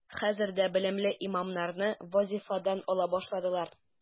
Хәзер дә белемле имамнарны вазифадан ала башладылар.